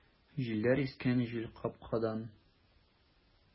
Җилләр искән җилкапкадан!